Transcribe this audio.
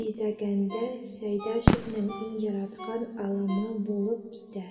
бизәгәндә Сәйдәшевнең иң яраткан алымы булып китә.